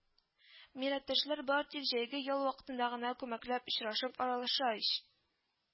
Милләттәшләр бары тик җәйге ял вакытында гына күмәкләп очрашып, аралаша ала ич